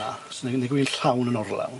llawn yn orlawn.